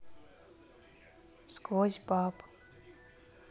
сквозь баб